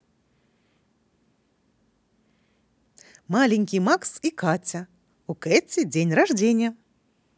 маленький макс и катя у katy день рождения